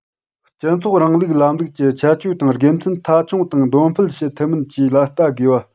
སྤྱི ཚོགས རིང ལུགས ལམ ལུགས ཀྱི ཁྱད ཆོས དང དགེ མཚན མཐའ འཁྱོངས དང འདོན སྤེལ བྱེད ཐུབ མིན བཅས ལ བལྟ དགོས པ